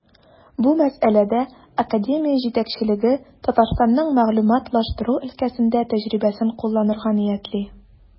Бу мәсьәләдә академия җитәкчелеге Татарстанның мәгълүматлаштыру өлкәсендә тәҗрибәсен кулланырга ниятли.